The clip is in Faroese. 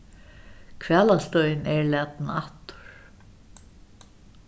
hvalastøðin er latin aftur